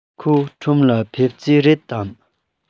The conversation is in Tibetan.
ཁོ ཁྲོམ ལ ཕེབས རྩིས རེད དམ